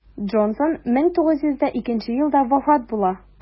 Джонсон 1902 елда вафат була.